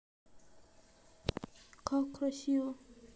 как красиво